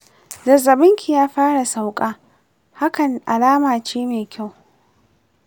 zazzabin ki ya fara sauka, hakan alamace mai kyau.